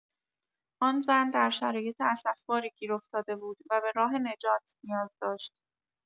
آن زن در شرایط اسفباری گیر افتاده بود و به راه نجات نیاز داشت.